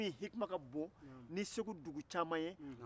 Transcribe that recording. ne bɛ sabali baga fɛ ni fɛn tigi ye